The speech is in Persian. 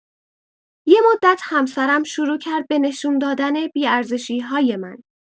یه مدت همسرم شروع کرد به نشون دادن بی‌ارزشی‌های من.